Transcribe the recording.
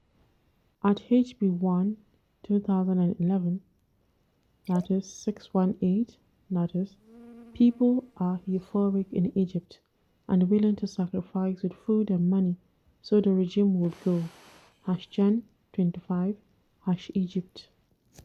@HB_1_2011: 618: people are euphoric in egypt, and willing to sacrifice with food and money so the regime would go #jan25 #egypt